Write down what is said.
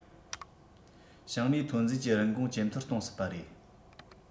ཞིང ལས ཐོན རྫས ཀྱི རིན གོང ཇེ མཐོར གཏོང སྲིད པ རེད